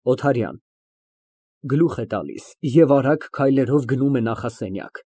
ՕԹԱՐՅԱՆ ֊ (Գլուխ է տալիս և արագ քայլերով գնում է նախասենյակ)։